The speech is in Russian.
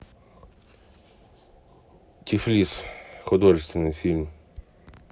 тифлис художественный фильм